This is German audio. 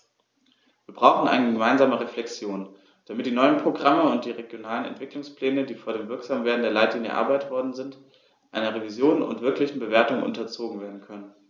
Wir brauchen eine gemeinsame Reflexion, damit die neuen Programme und die regionalen Entwicklungspläne, die vor dem Wirksamwerden der Leitlinien erarbeitet worden sind, einer Revision und wirklichen Bewertung unterzogen werden können.